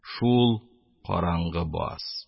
Шул караңгы баз.